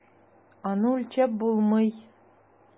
Аны үлчәп булмый.